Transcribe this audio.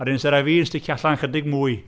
A wedyn 'sa rhai fi yn sticio allan chydig mwy.